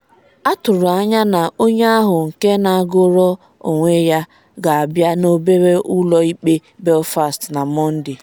A tụrụ anya na onye ahụ nke na-agọrọ onwe ya ga-abịa n’obere ụlọ ikpe Belfast na Mọnde.